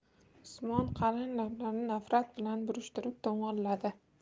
usmon qalin lablarini nafrat bilan burishtirib to'ng'illadi